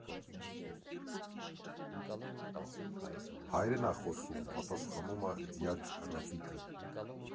Հայերեն ա խոսում,֊ պատասխանումա ձյաձ Ռաֆիկը։